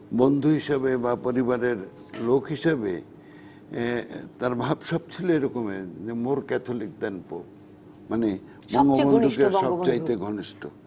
বন্ধু হিসেবে বা পরিবারের লোক হিসাবে তার ভাবসাব ছিল এ রকমের যে মোর ক্যাথলিক দান পোপ মানে সবচেয়ে ঘনিষ্ঠ বঙ্গবন্ধু সবচাইতে ঘনিষ্ঠ